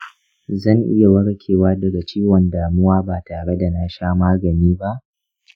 zan iya warkewa daga ciwon damuwa ba tare da na sha magani ba?